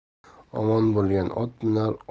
omon bo'lgan ot minar